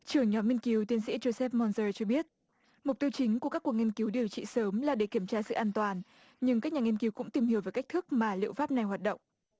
trưởng nhóm nghiên cứu tiến sĩ rôn sép mon rơ cho biết mục tiêu chính của các cuộc nghiên cứu điều trị sớm là để kiểm tra sẽ an toàn nhưng các nhà nghiên cứu cũng tìm hiểu về cách thức mà liệu pháp này hoạt động